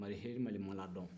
malihirili malimaladɔn